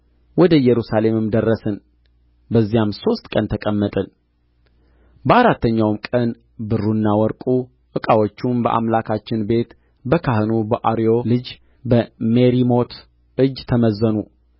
ወደ ኢየሩሳሌም ደረስን በዚያም ሦስት ቀን ተቀመጥን በአራተኛውም ቀን ብሩና ወርቁ ዕቃዎቹም በአምላካችን ቤት በካህኑ በኦርዮ ልጅ በሜሪሞት እጅ ተመዘኑ